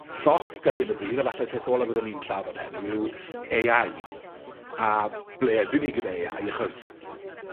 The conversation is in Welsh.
llosg ar hyn o bryd, a falle'r peth olaf fyddwn ni'n trafod heddiw, yw Ay Eye a ble ydyn ni gyda Ay Eye achos